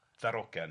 Ddarogan.